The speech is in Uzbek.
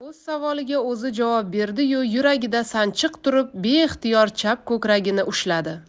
o'z savoliga o'zi javob berdi yu yuragida sanchiq turib beixtiyor chap ko'kragini ushladi